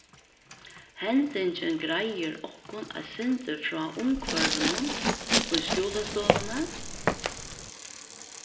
hendingin greiðir okkum eitt sindur frá umhvørvinum í skúlastovuni